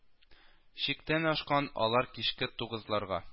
Чиктән ашкан, алар кичке тугызларга